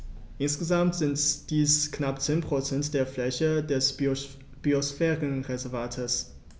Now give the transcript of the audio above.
Insgesamt sind dies knapp 10 % der Fläche des Biosphärenreservates.